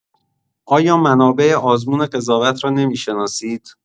آیا منابع آزمون قضاوت رو نمی‌شناسید؟